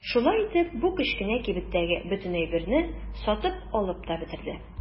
Шулай итеп бу кечкенә кибеттәге бөтен әйберне сатып алып та бетерде.